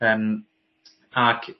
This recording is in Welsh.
Yym ac